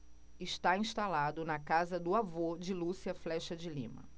está instalado na casa do avô de lúcia flexa de lima